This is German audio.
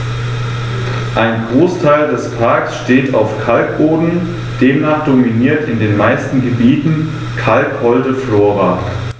Ein Großteil des Parks steht auf Kalkboden, demnach dominiert in den meisten Gebieten kalkholde Flora.